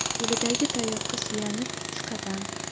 qo'lidagi tayoqqa suyanib ikki qadam